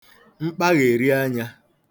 mkpaghèri anyā